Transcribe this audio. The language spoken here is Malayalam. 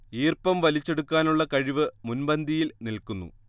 ഈർപ്പം വലിച്ചെടുക്കാനുളള കഴിവ് മുൻപന്തിയിൽ നിൽക്കുന്നു